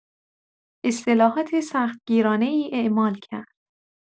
اصلاحات سخت گیرانه‌ای اعمال کرد.